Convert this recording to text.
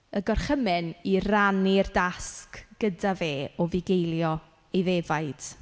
Y gorchymyn i rannu'r dasg gyda fe o fugeilio ei ddefaid.